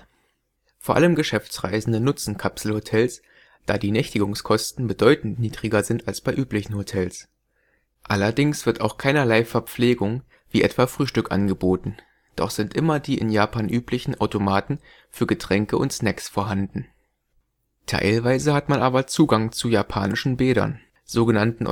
Vor allem Geschäftsreisende nutzen Kapselhotels, da die Nächtigungskosten bedeutend niedriger sind als bei üblichen Hotels. Allerdings wird auch keinerlei Verpflegung wie etwa Frühstück angeboten, doch sind immer die in Japan üblichen Automaten für Getränke und Snacks vorhanden. Teilweise hat man aber Zugang zu japanischen Bädern, sogenannten